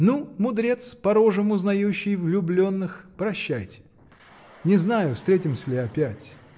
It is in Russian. — Ну, мудрец, по рожам узнающий влюбленных, — прощайте! Не знаю, встретимся ли опять.